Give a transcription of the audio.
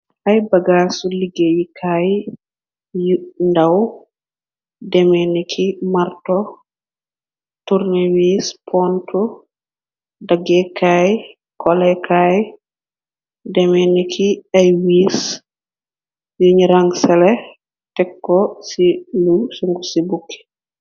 Ay bagasu liggéeyi kaay yi ndaw domeniki marto turnéwis pontu daggeekaay kolekaay domeniki ay wiis yuñ rangsale tekko ci lu urug ci bukki.